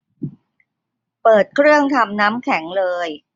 เปิดเครื่องทำน้ำแข็งเลย